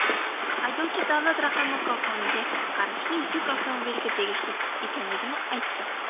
haydovchi davlat raqami korxonaga qarashli yuk avtomobiliga tegishli ekanligini aytgan